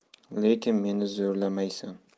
lekin meni zo'rlamaysan